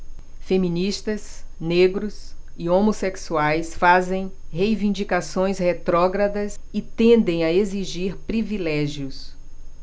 feministas negros e homossexuais fazem reivindicações retrógradas e tendem a exigir privilégios